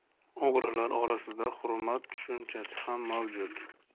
o'g'rilar orasida hurmat tushunchasi ham mavjud